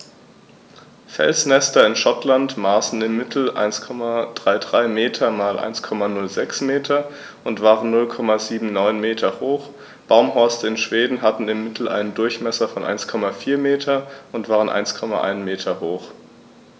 Felsnester in Schottland maßen im Mittel 1,33 m x 1,06 m und waren 0,79 m hoch, Baumhorste in Schweden hatten im Mittel einen Durchmesser von 1,4 m und waren 1,1 m hoch.